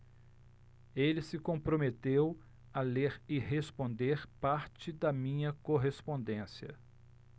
ele se comprometeu a ler e responder parte da minha correspondência